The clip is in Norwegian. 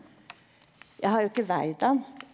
eg har jo ikkje veid den.